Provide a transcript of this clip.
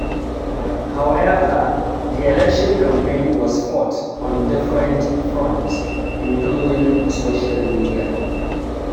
However, the election campaign was fought on different fronts, including social media.